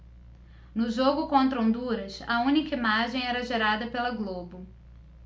no jogo contra honduras a única imagem era gerada pela globo